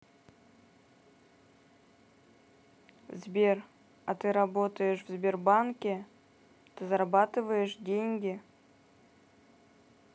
сбер а ты работаешь в сбербанке ты зарабатываешь деньги